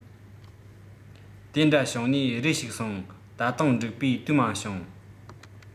དེ འདྲ བྱུང ནས རེ ཞིག སོང ད དུང འགྲིག པའི དུས མ བྱུང